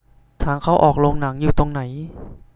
ทางเข้าออกโรงหนังอยู่ตรงไหน